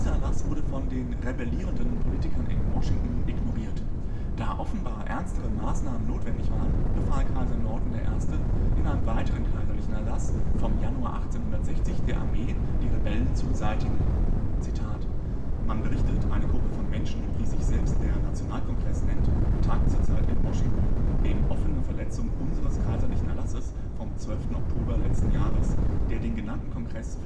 Erlass wurde von den „ rebellierenden “Politikern in Washington ignoriert. Da offenbar ernstere Maßnahmen notwendig waren, befahl Kaiser Norton I. in einem weiteren kaiserlichen Erlass vom Januar 1860 der Armee, die Rebellen zu beseitigen: Man berichtet, eine Gruppe von Menschen, die sich selbst der Nationalkongress nennt, tagt zur Zeit in Washington, in offener Verletzung unseres kaiserlichen Erlasses vom 12. Oktober letzten Jahres, der den genannten Kongress